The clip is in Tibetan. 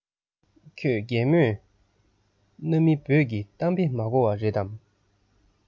ཁྱོད རྒན མོས གནའ མི བོད ཀྱི གཏམ དཔེ མ གོ བ རེད དམ